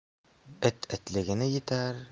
it itligini etar